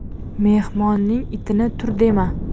mehmonning itini tur dema